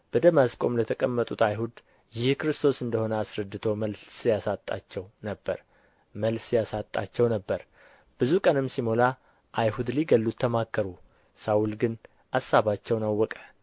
በደማስቆም ለተቀመጡት አይሁድ ይህ ክርስቶስ እንደ ሆነ አስረድቶ መልስ ያሳጣቸው ነበር ብዙ ቀንም ሲሞላ አይሁድ ሊገድሉት ተማከሩ ሳውል ግን አሳባቸውን አወቀ